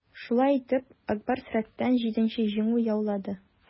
Шулай итеп, "Ак Барс" рәттән җиденче җиңү яулады.